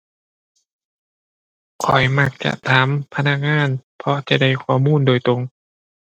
ข้อยมักจะถามพนักงาน เพราะจะได้ข้อมูลโดยตรง